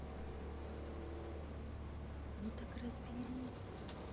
ну так разберись